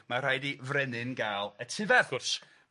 Ma' rhaid i Frenin ga'l etifedd. Wrth gwrs.